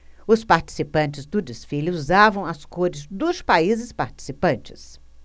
os participantes do desfile usavam as cores dos países participantes